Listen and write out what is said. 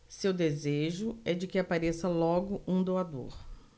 seu desejo é de que apareça logo um doador